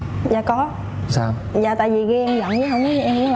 dạ có dạ tại vì ghen giận em